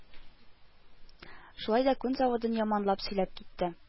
Шулай да күн заводын яманлап сөйләп китте: